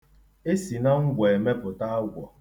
E si na ngwọ emepụta agwọ.